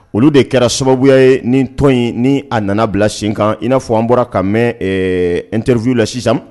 Olu de kɛra sababuya ye ni tɔn in ni a nana bila sen kan in n'a fɔ an bɔra ka mɛn n terirriffinw la sisan